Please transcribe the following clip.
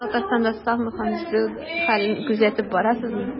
Сез Татарстанда самбо һәм дзюдо хәлен күзәтеп барасызмы?